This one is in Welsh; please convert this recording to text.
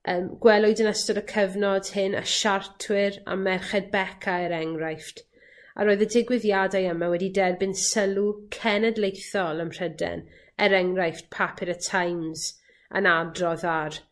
Yym gwelwyd yn ystod y cyfnod hyn y Siartwyr a Merched Beca er enghraifft a roedd y digwyddiadau yma wedi derbyn sylw cenedlaethol ym Mhryden er enghraifft papur y Times yn adrodd ar